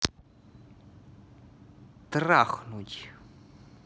трахнуть